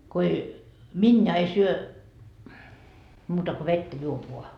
kun ei miniä ei syö muuta kuin vettä juo vain